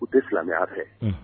U tɛ filaya fɛ